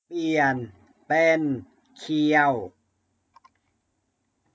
เปลี่ยนเป็นเคียว